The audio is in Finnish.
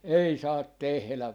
ei saa tehdä